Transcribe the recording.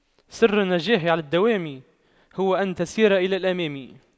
سر النجاح على الدوام هو أن تسير إلى الأمام